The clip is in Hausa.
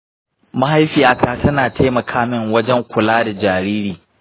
mahaifiyata tana taimaka min wajen kula da jariri.